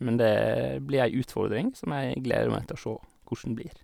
Men det blir ei utfordring som jeg gleder meg til å sjå kossen blir.